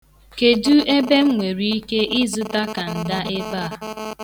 Kedu ebe m nwere ike ịzụta kanda ebea?